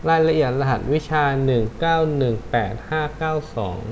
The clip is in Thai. รายละเอียดรหัสวิชาหนึ่งเก้าหนึ่งแปดห้าเก้าสอง